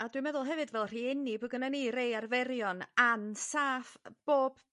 A dwi'n meddwl hefyd fel rhieni bo' gyno ni rei arferion ansaff bob